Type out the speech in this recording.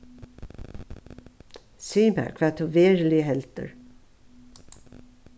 sig mær hvat tú veruliga heldur